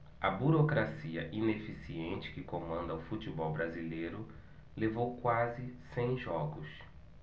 a burocracia ineficiente que comanda o futebol brasileiro levou quase cem jogos